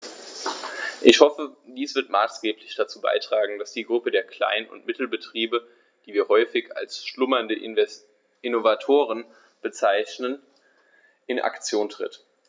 Ich hoffe, dies wird maßgeblich dazu beitragen, dass die Gruppe der Klein- und Mittelbetriebe, die wir häufig als "schlummernde Innovatoren" bezeichnen, in Aktion tritt.